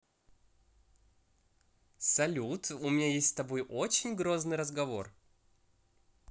салют у меня есть с тобой очень грозный разговор